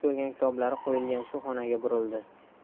ko'rgan kitoblari qo'yilgan shu xonaga burildi